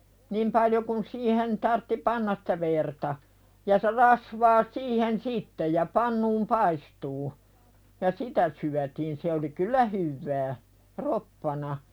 niin paljon kuin siihen tarvitsi panna sitä verta ja se rasvaa siihen sitten ja pannuun paistumaan ja sitä syötiin se oli kyllä hyvää roppana